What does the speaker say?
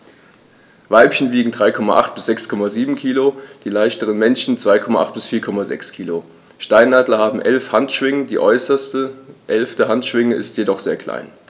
Weibchen wiegen 3,8 bis 6,7 kg, die leichteren Männchen 2,8 bis 4,6 kg. Steinadler haben 11 Handschwingen, die äußerste (11.) Handschwinge ist jedoch sehr klein.